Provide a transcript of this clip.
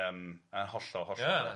Yym a'n hollol hollol. Ia.